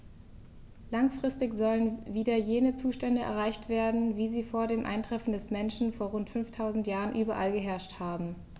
Langfristig sollen wieder jene Zustände erreicht werden, wie sie vor dem Eintreffen des Menschen vor rund 5000 Jahren überall geherrscht haben.